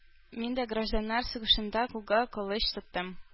Мин дә гражданнар сугышында кулга кылыч тоттым